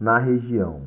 na região